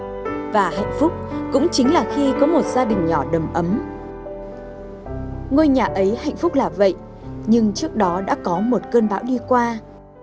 và hạnh phúc cũng chính là khi có một gia đình nhỏ đầm ấm ngôi nhà ấy hạnh phúc là vậy nhưng trước đó đã có một cơn bão đi qua